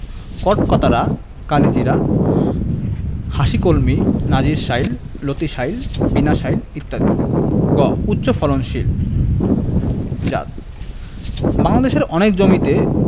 কটকতারা কালিজিরা হাসিকলমি নাজির শাইল লতিশাইল বিনাশাইল ইত্যাদি গ উচ্চফলনশীল জাত বাংলাদেশের অনেক জমিতে